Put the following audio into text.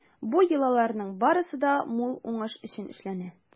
Бу йолаларның барысы да мул уңыш өчен эшләнә.